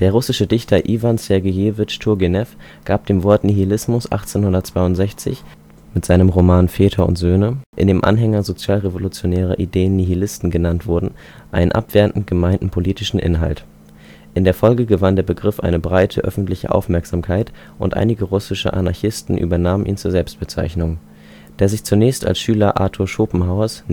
russische Dichter Iwan Sergejewitsch Turgenew gab dem Wort Nihilismus 1862 mit seinem Roman Väter und Söhne, in dem Anhänger sozialrevolutionärer Ideen Nihilisten genannt wurden, einen abwertend gemeinten politischen Inhalt. In der Folge gewann der Begriff eine breite öffentliche Aufmerksamkeit und einige russische Anarchisten übernahmen ihn zur Selbstbezeichnung. Der sich zunächst als Schüler Arthur Schopenhauers